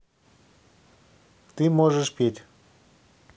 ты можешь петь